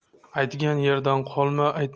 aytgan yerdan qolma